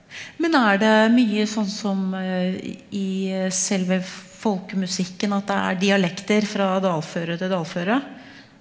men er det mye sånn som i selve folkemusikken at det er dialekter fra dalføre til dalføre?